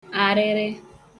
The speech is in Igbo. àrịrị